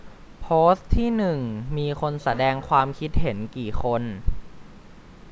โพสต์ที่หนึ่งมีคนแสดงความคิดเห็นกี่คน